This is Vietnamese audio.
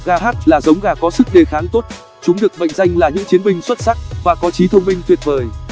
gà hatch là giống gà có sức đề kháng tốt chúng được mệnh danh là những chiến binh xuất sắc và có trí thông minh tuyệt vời